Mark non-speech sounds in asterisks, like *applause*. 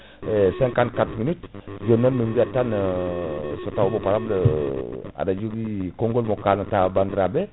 *noise* *hesitation* 54 minutes *noise* jonnon min biyat tan *hesitation* taw bo para* *hesitation* aɗa jogui konngol mo kalanta bandiraɓe